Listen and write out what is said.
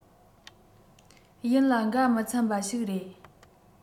ཡིན ལ འགའ མི འཚམ པ ཞིག རེད